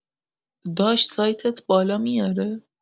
داش سایتت بالا میاره؟